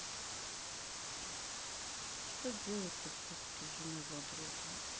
что делать то все таки с женой задротом